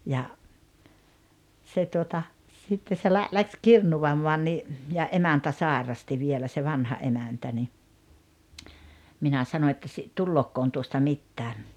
ja se tuota sitten se - lähti kirnuamaan niin ja emäntä sairasti vielä se vanha emäntä niin minä sanoin että - tuleekohan tuosta mitään